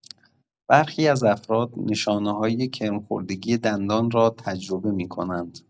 برخی از افراد، نشانه‌های کرم‌خوردگی دندان را تجربه می‌کنند.